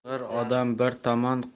qing'ir odam bir tomon